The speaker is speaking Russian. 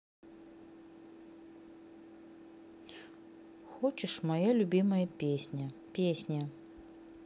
хочешь моя любимая песня песня